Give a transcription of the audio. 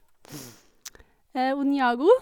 Onjago.